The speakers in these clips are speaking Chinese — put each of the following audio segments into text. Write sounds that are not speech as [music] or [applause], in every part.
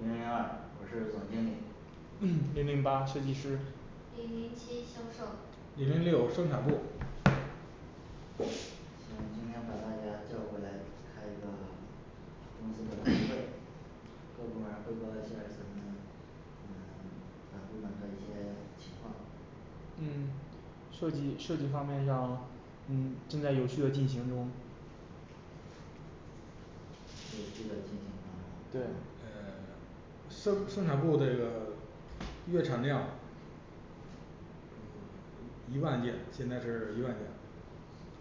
零零二我是总经理 [hesitation] 零零八设计师零零七销售零零六生产部行，今天把大家叫过来开一个公司的例会各部门儿汇报现在咱们嗯，把部门的一些情况嗯，设计设计方面要嗯正在有序的进行中有序的进行当中是吧对生生产部儿这个月产量一万件现在是一万件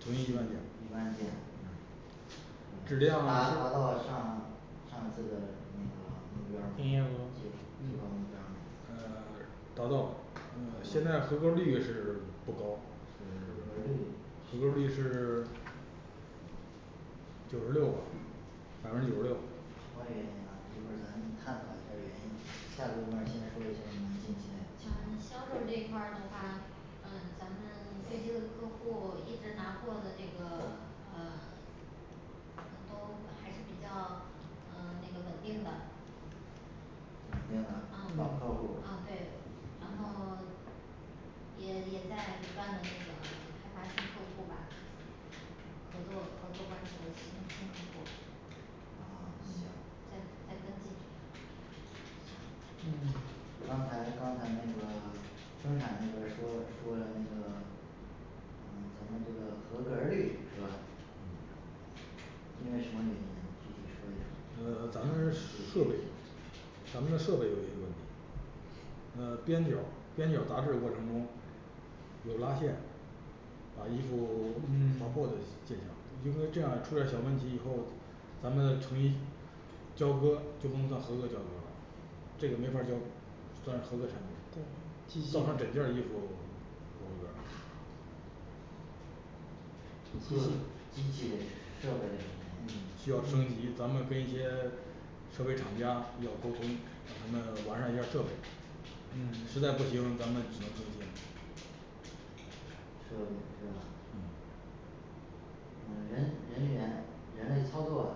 统一计一一万万件件上上次的那个目标儿没营业额对计划目标儿没嗯 [silence] 达到嗯，现在合格率是不高合格儿率合格率是九十六吧百分之九十六什么原因啊一会儿咱们探讨一下儿原因下个部门儿先说一下儿你们近期嘞情嗯，销况售这块儿的话嗯咱们对一个客户一直拿货的这个嗯都还比较呃那个稳定的稳定的老啊客嗯户儿啊对基然本上后 [silence] 也也在不断地这个开发新客户吧合作合作关系的新新客户嗯行在在登记嗯刚才刚才那个生产那边儿说说那个嗯咱们这个合格儿率是吧因为什么原因啊具体说一嗯说早咱会上面们解决设备一下儿咱们的设备有一些问题嗯，边角儿边角儿砸制过程中有拉线啊衣服划嗯破的现象如果这样儿出了小问题以后咱们成衣交割就不能算合格交割儿了这个没法儿交割 [unintelligible] 就按合格产品走对造成整件儿衣服不合格儿各机器的设备的原因需要升级咱们跟一些设备厂家要沟通让他们完善一下儿设备嗯实在不行咱们只能更新设备是吧嗯嗯人人员人嘞操作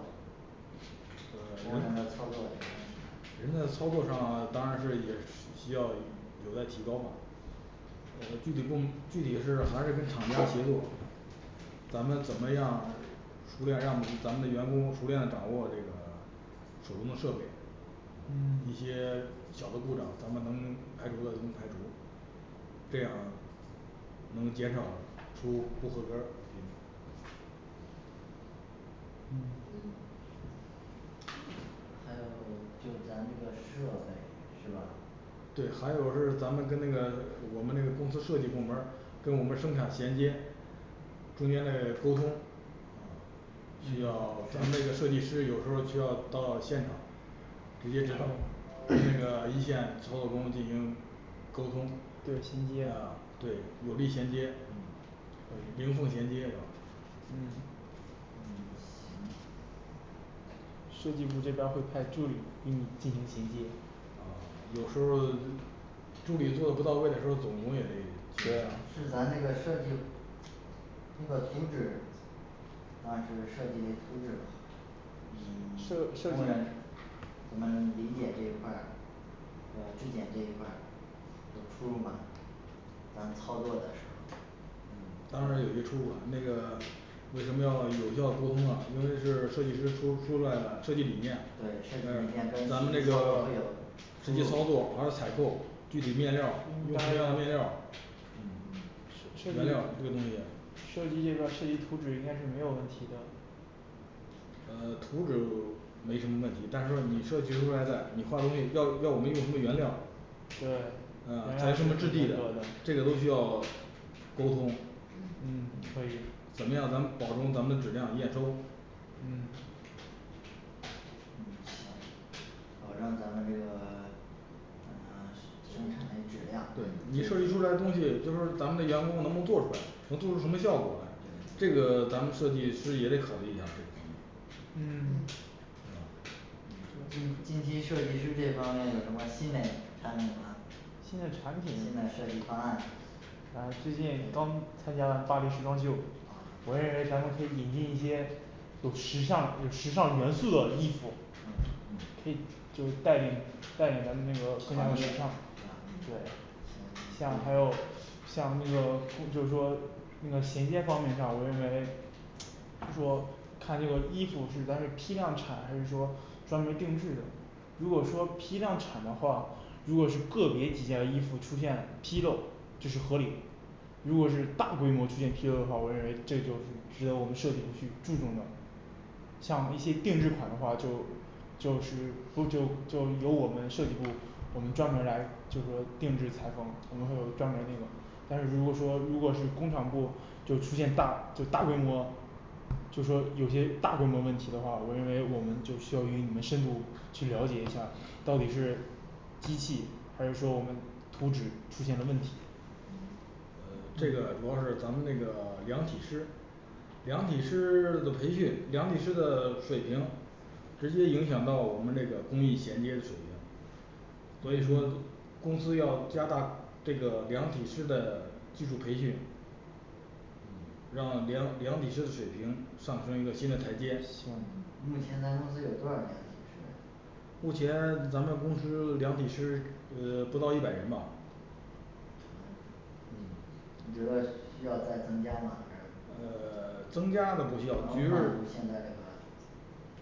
工人的操作有问题吗人在操作上当然是也是需要有待提高嘛呃具体部具体是还是跟厂家协作咱们怎么样熟练让咱们的员工熟练掌握这个手中的设备嗯一些小的故障咱们能排除的进行排除这样儿能减少出不合格儿嗯嗯嗯还有就咱这个设备是吧对还有是咱们跟那个我们那个公司设计部门儿跟我们生产衔接中间嘞沟通需要咱们那个设嗯是计师有时候需要到现场直接指导那个一线操作工进行沟通对拼接对努力衔接呃零缝衔接嗯嗯行设计部这边儿会派助理给你进行衔接有时候助理做的不到位的时候，总工也得对，是咱那个设计这个图纸，当时设计的那图纸，设设计部门嗯我们理解这一块儿，是吧质检这一块儿有出入吗咱操作的时候儿当然有些出入了，那个为什么要有效沟通啊？因为是设计师说出来了设计理念呃对，设计理念跟咱们这实际操作个会有实际操作而采购具体面料儿用什么样的面料儿嗯原料儿这个东西设计这个设计图纸应该是没有问题的呃图纸没什么问题，但是说你设计出来的，你画东西要要我们用什么原料对，还有什么质地做的这个都需要沟通。嗯可以怎么样咱们保证咱们的质量验收嗯嗯，行。保障咱们这个 [silence] 嗯 [silence] 生产跟质量对你设计出来东西就是咱们的员工能不能做出来，能做出什么效果来。对这对个咱们设对计师也得考虑一下这个方面。嗯 [silence] 啊新的产品新的设计方案呃最近刚参加巴黎时装秀我认为咱们可以引进一些有时尚有时尚元素的衣服嗯嗯可以就是带领带领咱们那个各家行的业对是吧象。嗯对。行像你还可有以像那个就是说那个衔接方面上，我认为说看这个衣服是咱是批量产还是说专门儿定制的？如果说批量产的话，如果是个别几件衣服出现纰漏这是合理如果是大规模出现纰漏的话，我认为这就是值得我们设计部去注重的。像一些定制款的话，就就是不就就由我们设计部，我们专门儿来就是说定制裁缝，我们会有专门儿那种但是如果说如果是工厂部就出现大就大规模，就是有些大规模问题的话，我认为我们就需要与你们深度去了解一下儿到底是机器还是说我们图纸出现了问题呃这个主要是咱们这个量体师量体师的培训量体师的水平，直接影响到我们这个工艺衔接的水平。所以说公司要加大这个量体师的技术培训，嗯让量量体师的水平上升一个新的台阶，行嗯目前咱公司有多少量体师？目前咱们公司量体师呃不到一百人吧啊嗯，你觉得需要再增加吗还是呃增加倒不需要能满增加足现在这个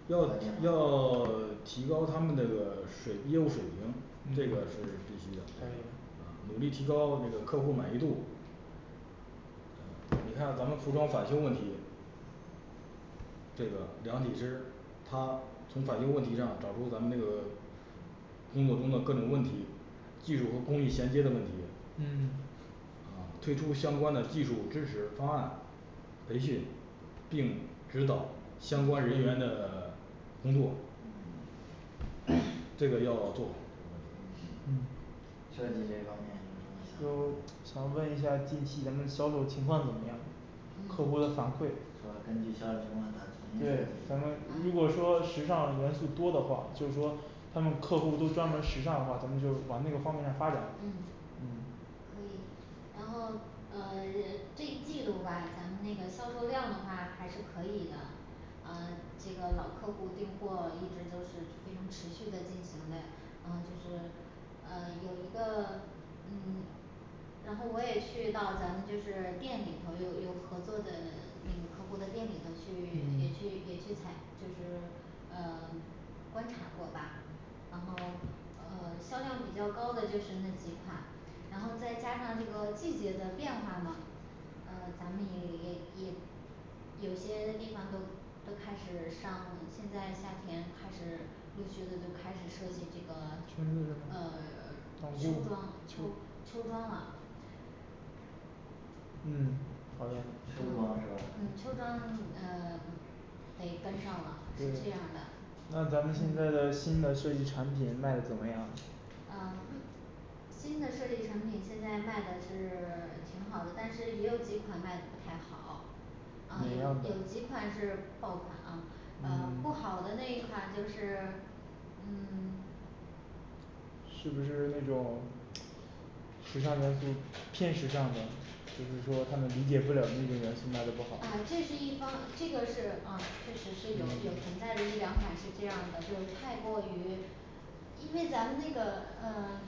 条件吗要 [silence] 提高他们这个水业务水平，这个是必须的。可以努力提高这个客户满意度。你看咱们服装返修问题，这个量体师他从返修问题上找出咱们这个工作中的各种问题，技术和工艺衔接的问题嗯啊推出相关的技术支持方案，培训，并指导相关人员的工作嗯 [hesitation] 这个要做好我们这个嗯嗯设计这方面有什就么想说嘞想问一下近期咱们销售情况怎么样？客户的反馈是吧？根据销售情况咱重新设对，咱们计如果嗯说时尚元素多的话，就是说他们客户都专门儿时尚的话，咱们就往那个方面发展嗯嗯可以，然后呃着这一季度吧咱们那个销售量的话还是可以的呃这个老客户订货一直就是非常持续的进行的，然后就是呃有一个嗯然后我也去到咱们就是店里头有有合作的那个客户的店里头去也嗯去也去裁就是呃观察过吧？然后呃销量比较高的就是那几款，然后再加上这个季节的变化嘛呃咱们也也也有些地方都都开始上，现在夏天开始陆续的就开始设计这个情侣呃短裤秋装秋秋装啦嗯，秋好的 [unintelligible] 秋装是吧嗯秋装呃得跟上了，是这样的那咱们现在嗯的新的设计产品卖的怎么样啊 [silence] 新的设计产品现在卖的是 [silence] 挺好的，但是也有几款卖的不太好啊哪有样的有几款是爆款啊那嗯不好的那一款就是嗯 [silence] 是不是那种时尚元素偏时尚的就是说他们理解不了那种元素卖的不好，唉这是一方，这个是啊确实是有有嗯存在的，一两款是这样的，就太过于因为咱们那个呃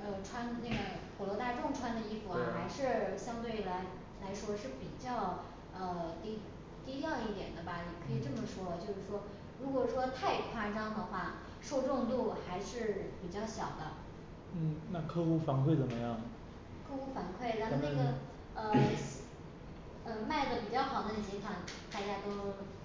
呃穿那个普罗大众穿的衣服啊还对是相对来来说是比较呃低低调一点的吧，也可以这么嗯说就是说如果说太夸张的话，受众度还是比较小的。嗯那客户反馈怎么样客户反馈，咱咱们那个们呃呃卖的比较好的那几款大家都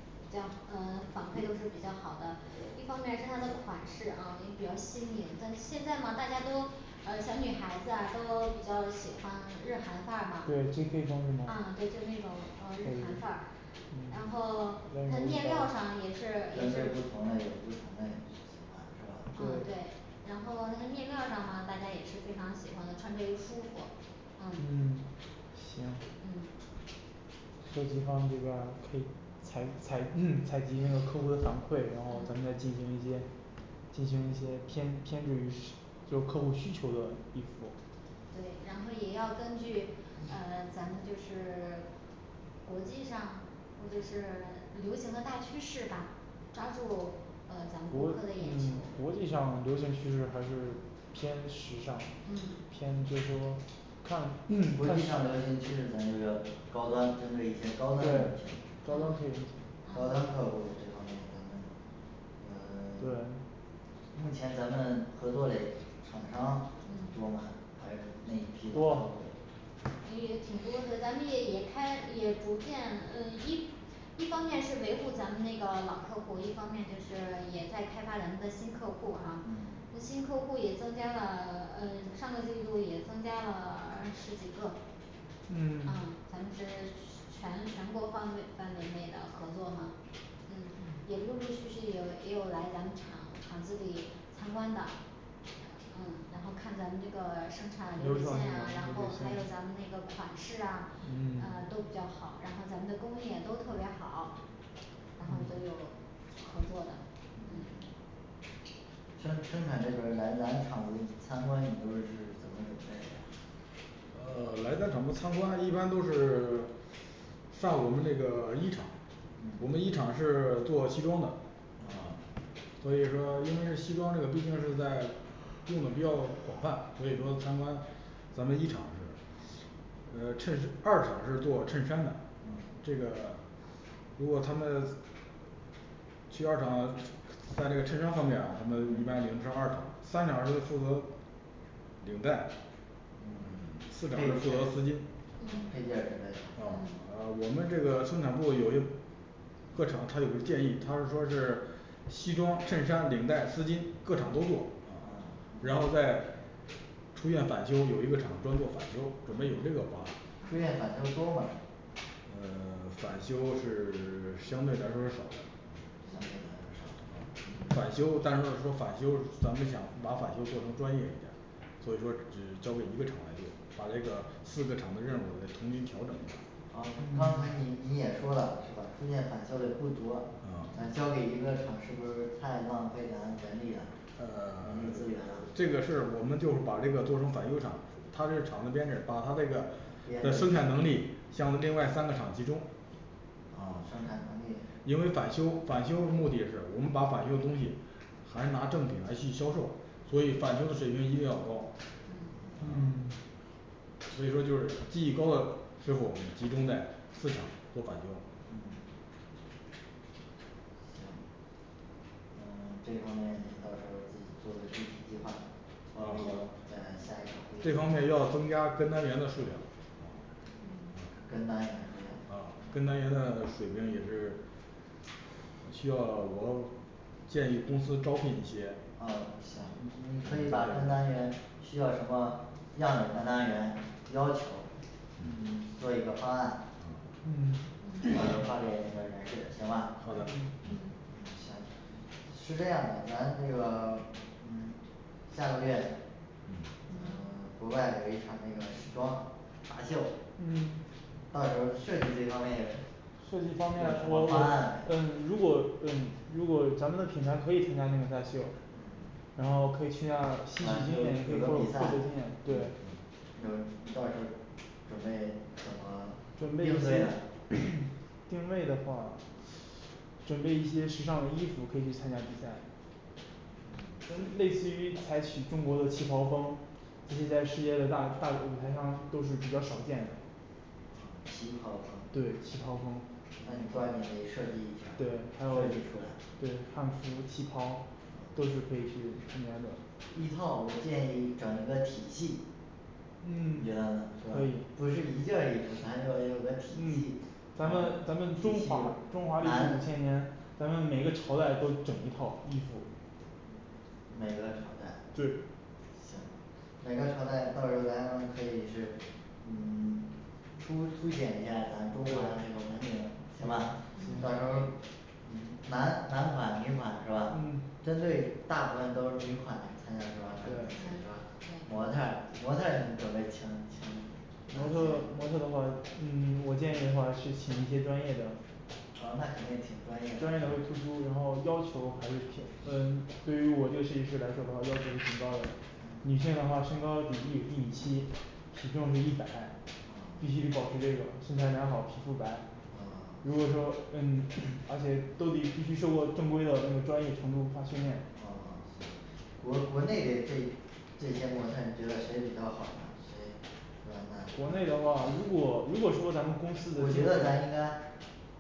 比较呃反馈都是比较好的，一方面是它的款式啊也比较细腻，但是现在呢大家都呃小女孩子啊都比较喜欢日韩范儿嘛对J K风是吗啊对就那种呃可以日韩范儿然后它面料儿上也是也针对是不同嘞有不同嘞喜欢是吧对对，然后它的面料儿上呢大家也是非常喜欢的，穿着也舒服嗯嗯行嗯设计方这边儿可以采采 [crosstalk] 采集那个客户的反馈，然后咱们再进行一些进行一些偏偏执于是就是客户需求的衣服对，然然后也要根据&嗯&呃咱们就是 [silence] 国际上或者是流行的大趋势吧抓住呃咱们顾客的眼球，国际上流行趋势还是偏时尚嗯，偏就是说看国际对上流行趋势的这个高端，可不可以针对一些高端的人群高端可以高端嗯客户这方面咱们嗯对 [silence] 目前咱们合作嘞厂商嗯多吗，还是那一批老客户多其实也挺多的，咱们也也开也逐渐呃一一方面是维护咱们那个老客户，一方面就是也在开发咱们的新客户啊嗯新客户也增加了，呃上个季度也增加了啊十几个。嗯啊咱们是全全国范围 [unintelligible] 范围内的合作嘛？嗯也陆陆续续也有 [unintelligible] 也有来咱们厂厂子里参观的嗯然后看咱们这个生产流水线啊，然后还有咱们那个款式啊嗯都比较好，然后咱们的工艺也都特别好然后都又合作了嗯生生产这边儿来咱厂子参观，你都是怎么准备的？呃来咱厂部参观一般都是 [silence] 上我们这个一厂我们一厂是做西装的啊所以说因为西装这个毕竟是在用的比较广泛，所以说参嗯观咱们一厂是呃衬是 [unintelligible] 二厂是做衬衫的，嗯这个如果他们去二厂啦在这个衬衫方面儿，咱们一般迎他二厂三厂是负责领带嗯 [silence] 配配啊配件四厂是负责丝巾之类嘞啊我嗯们这个生产部有些各厂他有个建议，他是说是西装、衬衫、领带、丝巾各厂都做啊然后再出现返修，有一个厂专做返修，准备有这个方案嗯出现返修多吗呃 [silence] 返修是 [silence] 相对来说是少的相对来说嗯少嘞返嗯修，但是说返修咱们想把返修做成专业一点儿，所以说只交给一个厂来做把那个四个厂的任务儿再重新调整一下儿啊刚才你你也说了是吧？出现返修的不多啊咱交给一个厂是不是太浪费咱们人力了？呃 [silence] 这个事儿我们就是把这个做人力成返修厂资源啦这个事儿我们就是把这个做成返修厂它这厂的编制，把它这个编制嗯的生产能力向另外三个厂集中啊生产能力因为返修返修的目的是我们把返修的东西还拿正品来去销售，所以嗯返修的水平一定要高。嗯嗯啊 [silence] 所以说就是技艺高的师傅集中在四厂做返修嗯行嗯这方面你到时候自己做个具体计划报备在下一这场方会议面要中增加跟单员的数量。跟跟单员数量啊跟单员的水平也是需要我建议公司招聘一些啊行你可以把跟单员需要什么样本和单元，要求做一个方案，到时候儿发给那个人事行吧好的嗯嗯是这样的，咱那个嗯下个月嗯国外有一场那个时装大秀嗯到时候设计这方面有什么设有什计么方方面如果案没嗯如果嗯如果咱们的品牌可以参加那个大秀嗯然后可以去那儿有吸取经验，也可以有的获比赛得经验对有你到时候准备怎准么备应准备对 [hesitation] 定位的话准备一些时尚的衣服可以去参加比赛，类似于采取中国的旗袍风，这些在世界的大大的舞台上都是比较少见的。旗袍风对旗袍风那你抓紧的设计一下儿对还有设计出来对汉服旗袍都是可以去参加的。啊一套我建议整一个体系你觉嗯得呢是吧可以，不是一件儿衣服，咱要有一个体系，咱们中华中华历史咱五千年，咱们每个朝代都整一套衣服每个朝代对行。每个朝代到时候咱们可以是嗯 [silence] 凸凸显一下咱中华的那种文明行吧？到时候嗯男男款女款是吧嗯？针对大部分都是女款的，你参加时装秀那对些嗯是吧？模对特儿模特儿你准备请请哪模特的 [unintelligible] 模些特的话是，嗯我建议的话是请一些专业的噢那肯定请专业专业的会是突出，然后要求还是挺嗯对于我这个设计师来说的话要求是挺高的，女性的话身高比例一米七，体重是一百必须得保持这个身材良好，皮肤白如果哦说行嗯而且都得必须受过正规的那个专业程度化训练啊行。国国内的这这些模特儿你觉得谁比较好呢，谁？是国吧那内那的话如果如果说咱们公司的你觉得咱应该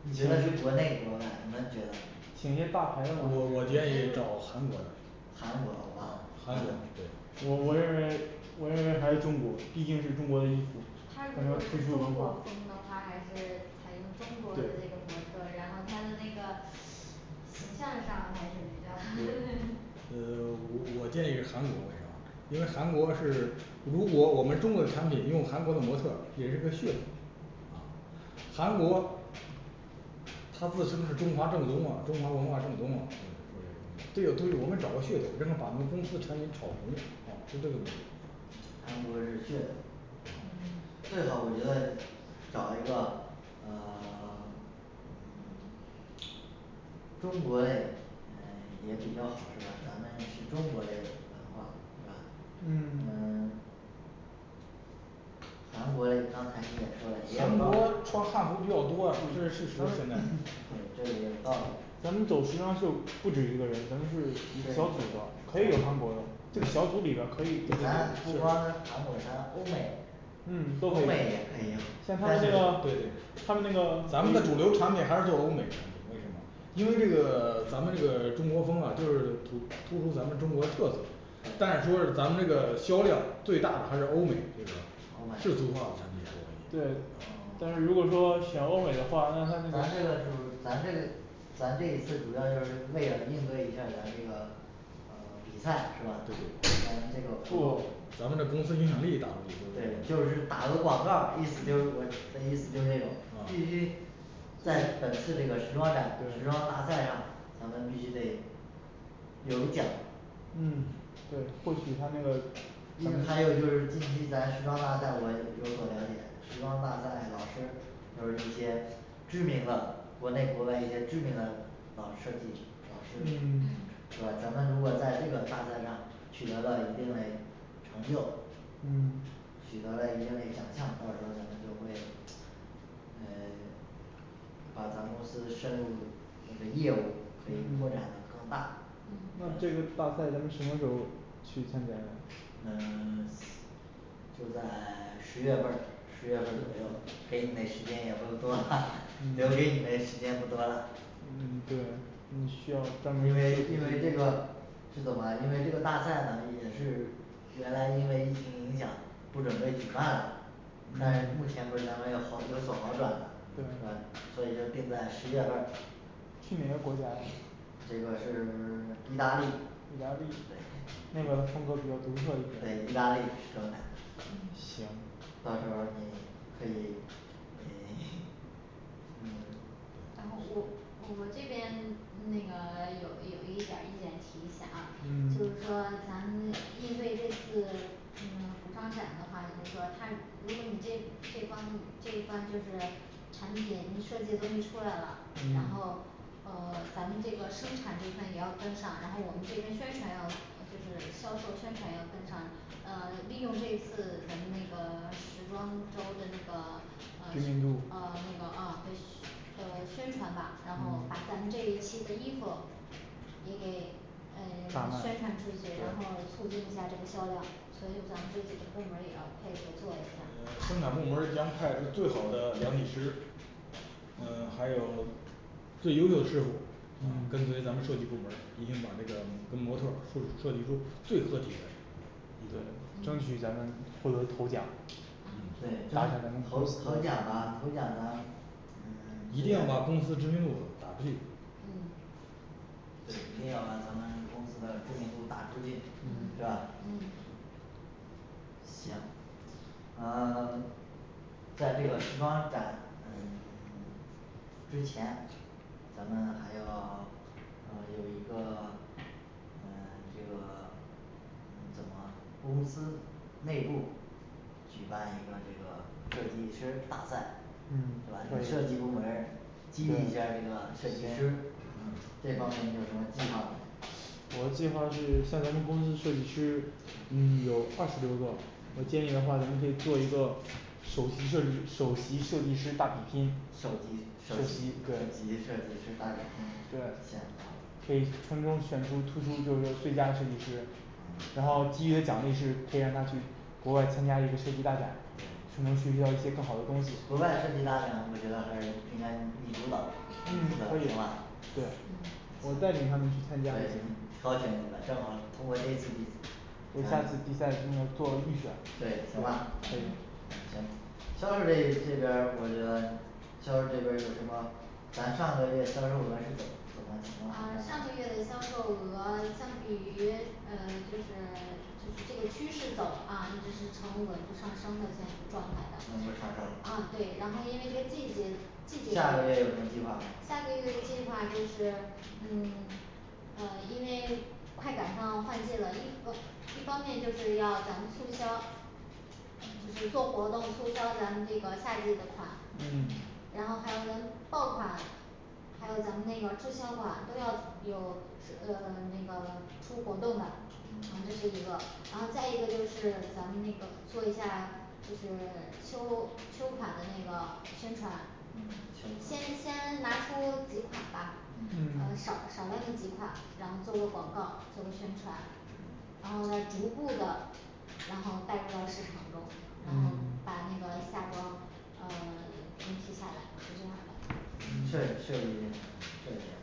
你觉得是国内国外你们觉得呢请些大牌的我我建议找韩国的韩国欧巴韩国对我我认为我认为还是中国毕竟是中国的衣服它还如能果突是中出文化国风的话还是采用中国那对个模特，然后它的那个形象上还是比较对 [noise] 呃我我建议韩国为啥因为韩国是如果我们中国的产品用韩国的模特也是个血统啊韩国他自称是中华正宗嘛中华文化正宗嘛是不是这个东西我们找个噱头，让他把我们公司的产品炒红啊是这个目的韩国是血统嗯最好我觉得找一个呃 [silence] 中国嘞嗯也比较好是吧？咱们是中国嘞文化是吧？嗯嗯嗯韩国嘞刚才你也说了也韩有道理国这也有道理，穿汉服比较多，这是事实现在对这也有道理，咱们走时尚秀不止一个人，咱们是小组的可以有韩国的这个小组里边儿可以给咱不光韩国咱欧美嗯都欧可以美也可以像他但们那是对对个他们对那个咱们的主流产品还是做欧美产为品什么因为这个 [silence] 咱们这个中国风啊就是突突出咱们中国的特色，但对是说是咱们这个销量最大的还是欧美，对吧欧仕途美话的产品对多一点。然后但是如哦果说选欧美的话，那咱它那这个个就是咱这咱这一次主要就是为了应对一下儿咱这个呃比赛是吧？对对咱这个活动咱们的公司影响力也大，对不对就是对打个广告儿意思就是我的意思就是这种必啊须在本次这个时装展就是时装大赛上，咱们必须得有奖。嗯对或许他那个衣因为服还有就是近期咱时装大赛我也有所了解，时装大赛老师就是一些知名的国内国外一些知名的老设计老师嗯嗯是吧？咱们如果在这个大赛上取得了一定嘞成就嗯取得了一定的奖项，到时候咱们就会呃 [silence] 把咱们公司嘞深入，那个业务可以拓展嗯到更大嗯那这个大赛咱们什么时候去参加呀？嗯 [silence] 就在 [silence] 十月份儿十月份儿左右给你们时间也不多啦， [noise] 留给你们时间不多了，嗯对嗯需要专门因为儿因为这个是怎么啊，因为这个大赛呢也是原来因为疫情影响不准备举办了，但目前不是咱们有好有所好转嘛是对吧？所以就定在十月份儿去哪个国家？这个是 [silence] 意大利意大利对那边的风格比较独特一对意点。大利时装展嗯，行到时候你可以 [noise] 嗯 [silence] 然后我我这边那个有一有一点儿建议提一下啊，就嗯是说咱们那应对这次那个服装展的话说他如果你这这一方这一方就是产品设计的东西出来了，然嗯后呃咱们这个生产这块也要跟上，然后我们这边宣传要就是销售宣传要跟上，呃利用这次咱们那个时装周的那个呃呃知名那度个啊对宣传吧，然后把嗯咱们这期的衣服也得诶宣传出去，然后对促进一下这个销量，所以咱这几个部门儿也要配合做一下。呃生产部门儿将派出最好的量体师，嗯还有最优秀的师傅嗯跟随嗯咱们设计部门儿一定把这个跟模特儿设计设计出最合体的一对个争嗯取，咱们获得头奖。嗯对挣头头奖吧头奖咱们嗯嗯一虽定要然把公司知名度打出去嗯对，一定把要咱们公司的知名度打出去嗯嗯。是吧嗯行啊 [silence] 在这个时装展嗯之前咱们还要呃 [silence] 有一个嗯这个怎么公司内部举办一个这个设计师大赛嗯是吧对设计部门儿激励一下儿这个设计行师这方嗯面你有什么计划没？我的计划是像咱们公司设计师嗯有二十多个，我建议的话咱们可以做一个首席设计，首席设计师大比拼手，机首首席首席席对设计师大比拼。行对，好的可以从中选出突出就是最佳设计师，然后嗯给予的行奖励是可以让他去国外参加一个设计大展还能学习到一些更好的东西国外设计大展，我觉得还是应该你主导你嗯负，可责以行吧对嗯我带领他们去对你参加挑选几个正好通过这次比为下次比咱赛嗯做预选对行吧可以嗯行销售这这边儿我觉得销售这边儿有什么咱上个月销售额是怎 [unintelligible] 怎么情况啊呃刚上个月才的销售额相比于呃就是 [silence] 就是这个这个趋势走啊，一直是呈稳步上升的这种状态稳步的上升啊对然后因为这个季节下个月有什么计划没下个月计划。就是嗯 [silence] 呃因为快赶上换季了，一个一方面就是要咱们促销嗯做活动促销，咱们这个夏季的款，嗯嗯然后还有爆款还有咱们那个滞销款都要有呃那个出活动的，这是嗯一个。然后再一个就是咱们那个做一下儿就是秋秋款的那个宣传嗯秋先款先拿出几款吧嗯少嗯少量的几款，然后做个广告做个宣传嗯然后来逐步的然后带入到市场中，然后嗯把那个夏装嗯分批下来，是这样儿。嗯设设计这一方面设计啊